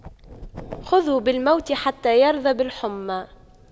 خُذْهُ بالموت حتى يرضى بالحُمَّى